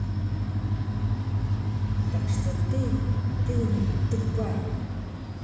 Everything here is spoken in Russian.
так что ты ты у меня тупая